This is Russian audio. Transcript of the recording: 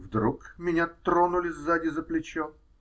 Вдруг меня тронули сзади за плечо.